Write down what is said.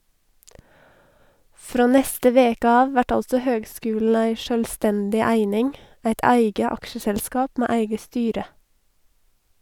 Frå neste veke av vert altså høgskulen ei sjølvstendig eining , eit eige aksjeselskap med eige styre.